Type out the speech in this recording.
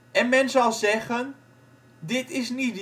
En men zal zeggen: " Dit is niet